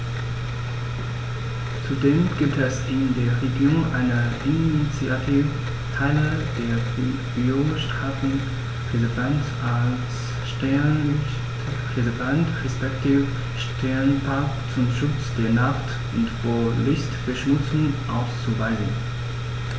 Zudem gibt es in der Region eine Initiative, Teile des Biosphärenreservats als Sternenlicht-Reservat respektive Sternenpark zum Schutz der Nacht und vor Lichtverschmutzung auszuweisen.